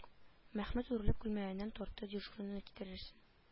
Мәхмүт үрелеп күлмәгеннән тартты дежурныйны китерерсең